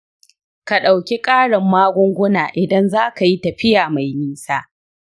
ka ɗauki ƙarin magunguna idan za ka yi tafiya mai nisa.